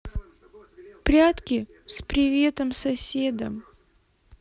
прятки с приветом соседом